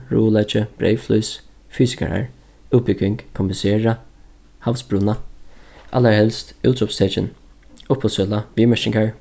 ruðuleiki breyðflís fysikarar útbúgving kompensera havsbrúnna allarhelst útrópstekin uppboðssøla viðmerkingar